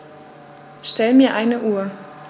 Stell mir eine Uhr.